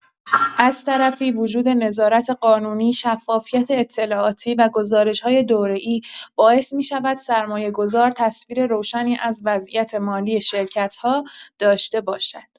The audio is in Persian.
از طرفی وجود نظارت قانونی، شفافیت اطلاعاتی و گزارش‌های دوره‌ای باعث می‌شود سرمایه‌گذار تصویر روشنی از وضعیت مالی شرکت‌ها داشته باشد.